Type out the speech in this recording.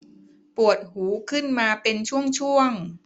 ปวดหูขึ้นมาเป็นช่วงช่วง